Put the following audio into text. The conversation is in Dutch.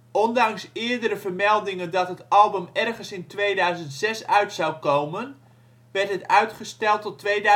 Ondanks eerdere vermeldingen dat het album ergens in 2006 uit zou komen, werd het uitgesteld tot 2007. De